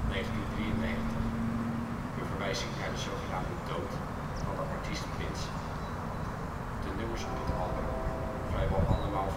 1958-1993 ", een verwijzing naar de " dood " van de artiest Prince. De nummers op het album, vrijwel allemaal